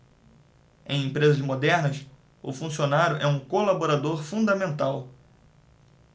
em empresas modernas o funcionário é um colaborador fundamental